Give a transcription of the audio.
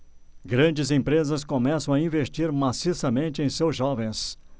grandes empresas começam a investir maciçamente em seus jovens